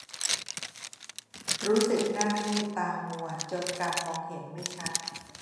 รู้สึกหน้ามืดตามัวจนการมองเห็นไม่ชัด